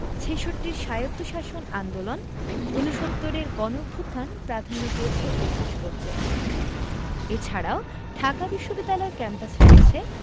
ছেষট্টির স্বায়ত্তশাসন আন্দোলন উনসত্তুরের গণঅভ্যুত্থান প্রাধান্য পেয়েছে এ ভাস্কর্যে এ ছাড়াও ঢাকা বিশ্ববিদ্যালয় ক্যাম্পাসে রয়েছে